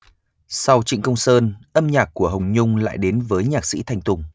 sau trịnh công sơn âm nhạc của hồng nhung lại đến với nhạc sĩ thanh tùng